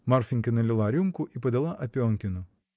Марфинька налила рюмку и подала Опенкину.